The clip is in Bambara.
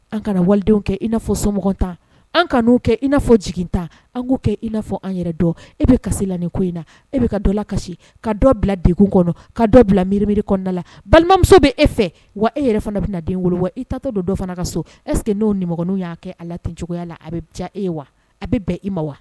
An kana na walidenw kɛ i n'a fɔ soma tan an kana n'u kɛ ina fɔ jigin tan an k'u kɛ na fɔ an yɛrɛ dɔn e bɛ kasi la nin ko in na e bɛ ka dɔ la kasi ka dɔ bila dekun kɔnɔ ka dɔ bila miiriiriri kɔnɔnada la balimamuso bɛ e fɛ wa e yɛrɛ fana bɛna na den wolo bɔ wa i tatɔ dɔ fana ka so ɛsseke n'o nimin y'a kɛ a la tencogo cogoyaya la a bɛ diya e ye wa a bɛ bɛn i ma wa